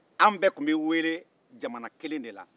anw bɛɛ tun bɛ wele jamana kelen de la